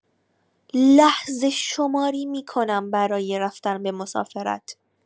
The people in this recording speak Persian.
لحظه‌شماری می‌کنم برای رفتن به مسافرت.